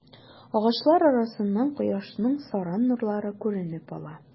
Агачлар арасыннан кояшның саран нурлары күренеп ала.